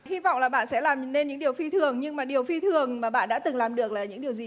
hy vọng là bạn sẽ làm nên những điều phi thường nhưng mà điều phi thường mà bạn đã từng làm được là những điều gì